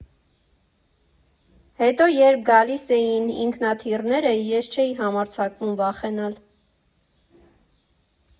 Հետո երբ էլի գալիս էին ինքնաթիռները, ես չէի համարձակվում վախենալ։